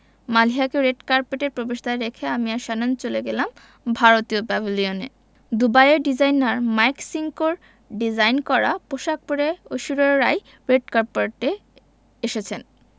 মালিহাকে রেড কার্পেটের প্রবেশদ্বারে রেখে আমি আর শ্যানন চলে গেলাম ভারতীয় প্যাভিলিয়নে দুবাইয়ের ডিজাইনার মাইক সিঙ্কোর ডিজাইন করা পোশাক পরে ঐশ্বরিয়া রাই রেড কার্পেটে এসেছেন